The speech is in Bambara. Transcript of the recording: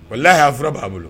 Wala la'a fura b'a bolo